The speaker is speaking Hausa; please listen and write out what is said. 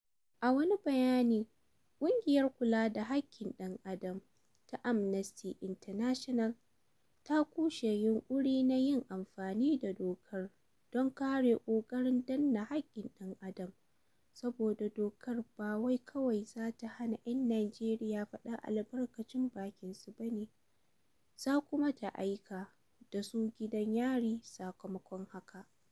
A wani bayani, ƙungiyar kula da haƙƙin ɗan adam ta Amnesty International ta kushe yunƙurin na "yin amfani da doka don kare ƙoƙarin danne haƙƙin ɗan adam", saboda dokar ba wai kawai za ta hana 'yan Nijeriya "faɗar albarkacin bakinsu bane", za kuma ta "aika da su gidan yari sakamakon haka".